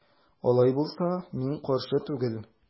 Алай булса мин каршы түгел.